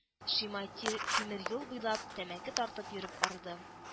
Шимай тире тимер юл буйлап тәмәке тартып йөреп арыды